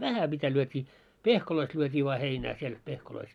vähän mitä lyötiin pehkoista lyötiin vain heinää siellä pehkoista